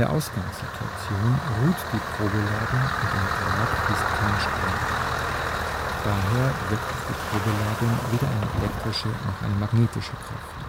Ausgangssituation ruht die Probeladung und im Draht fließt kein Strom. Daher wirkt auf die Probeladung weder eine elektrische noch eine magnetische Kraft